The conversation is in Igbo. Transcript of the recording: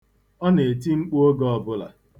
Ọ na-eti mkpu oge ọbụla.